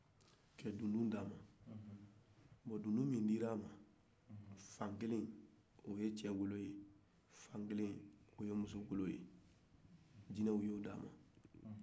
ka dundun d'a ma bon dundu min dira a ma a fan kelen ye cɛ golo ye fan dɔnin ye muso golo ye jinew y'o di a ma